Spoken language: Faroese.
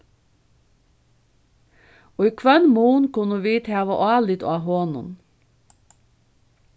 í hvønn mun kunnu vit hava álit á honum